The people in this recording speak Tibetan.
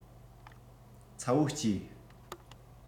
ཚ བོ གཅེས